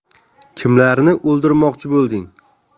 kimlarni o'ldirmoqchi bo'lding